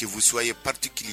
Ssu ye patili ye